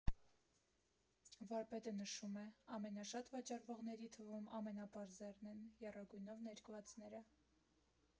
Վարպետը նշում է՝ ամենաշատ վաճառվողների թվում ամենապարզերն են՝ եռագույնով ներկվածները.